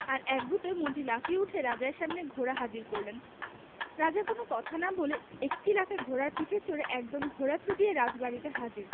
আর এক গুতোয় মন্ত্রী লাফিয়ে উঠে রাজার সামনে ঘোড়া হাজির করলেন রাজা কোন কথা না বলে একটি লাফে ঘোড়ার পিঠে চড়ে একদম ঘোড়া ছূটিয়ে রাজবাড়িতে হাজির